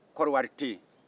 korowari tɛ yen